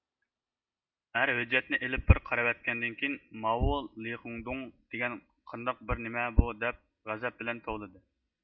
ئەر ھۆججەتنى ئېلىپ بىر قارىۋەتكەندىن كېيىن ماۋۇلىخېڭدوڭ دېگەن قانداق بىر نېمە بۇ دەپ غەزەپ بىلەن توۋلىدى